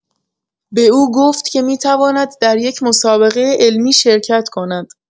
به او گفت که می‌تواند در یک مسابقۀ علمی شرکت کند.